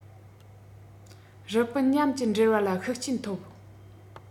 རི པིན མཉམ གྱི འབྲེལ བ ལ ཤུགས རྐྱེན ཐོབ